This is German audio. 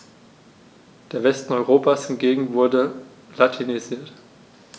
Der Westen Europas hingegen wurde latinisiert.